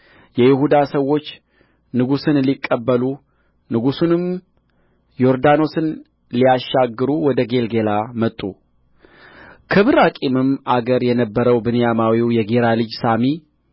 የይሁዳ ሰዎች ንጉሡን ሊቀበሉ ንጉሡንም ዮርዳኖስን ሊያሻግሩ ወደ ጌልገላ መጡ ከብራቂምም አገር የነበረው ብንያማዊው የጌራ ልጅ ሳሚ